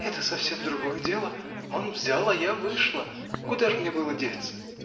— Это совсем другое дело: он взял, я и вышла. Куда ж мне было деться!